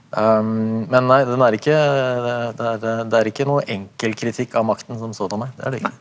men nei den er ikke det er ikke noe enkel kritikk av makten som sådan nei, det er det ikke.